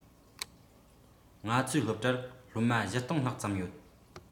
ང ཚོའི སློབ གྲྭར སློབ མ ༤༠༠༠ ལྷག ཙམ ཡོད